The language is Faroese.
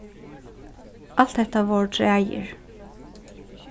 alt hetta vóru traðir